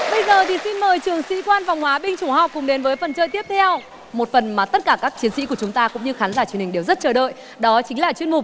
bây giờ thì xin mời trường sĩ quan phòng hóa binh chủng hóa học cùng đến với phần chơi tiếp theo một phần mà tất cả các chiến sĩ của chúng ta cũng như khán giả truyền hình đều rất chờ đợi đó chính là chuyên mục